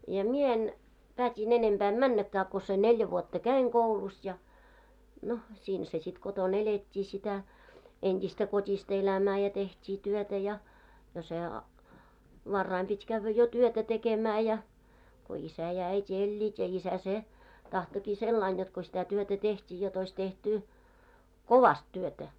ja minä en päätin enempää en mennäkään kun sen neljä vuotta kävin koulussa ja no siinähän se sitten kotona elettiin sitä entistä kotista elämää ja tehtiin työtä ja ja se varhain piti käydä jo työtä tekemään ja kun isä ja äiti elivät ja isä se tahtoikin sillä lailla jotta kun sitä työtä tehtiin jotta olisi tehty kovasti työtä